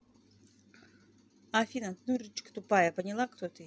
афина ты дурочка тупая поняла кто ты